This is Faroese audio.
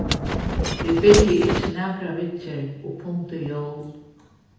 vit byrja ikki nakra viðgerð upp undir jól